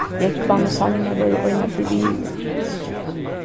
jógvan og sanna vóru einaferð vinir